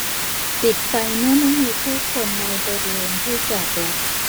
ปิดไฟเมื่อไม่มีผู้คนในบริเวณที่จอดรถ